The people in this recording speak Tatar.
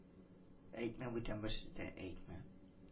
Әйтмә, бүтән бер сүз дә әйтмә! Шу